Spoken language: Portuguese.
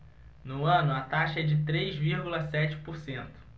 no ano a taxa é de três vírgula sete por cento